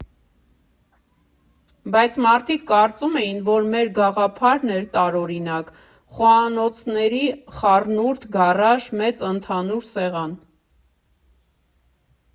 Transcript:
Բայց մարդիկ կարծում էին, որ մե՛ր գաղափարն էր տարօրինակ՝ խոհանոցների խառնուրդ, գարաժ, մեծ ընդհանուր սեղան.